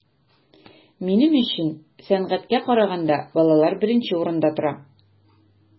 Минем өчен сәнгатькә караганда балалар беренче урында тора.